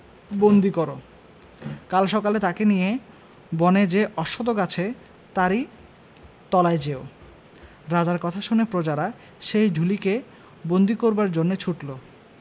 বন্দী কর কাল সকালে তাকে নিয়ে বনে যে অশ্বখ গাছে তারই তলায় যেও রাজার কথা শুনে প্রজারা সেই ঢুলিকে বন্দী করবার জন্য ছুটল